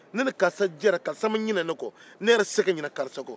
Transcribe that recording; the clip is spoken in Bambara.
ne ni karisa jɛnna karisa ma ɲinɛ ne kɔ ne yɛrɛ tɛ se ka ɲinɛ a kɔ